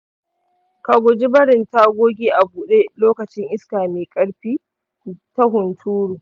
ka guji barin tagogi a buɗe lokacin iska mai ƙarfi ta hunturu.